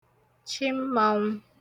chi mmānwụ̄